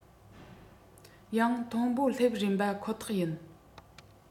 ཡང མཐོ པོ སླེབས རན འདུག པ ཁོ ཐག ཡིན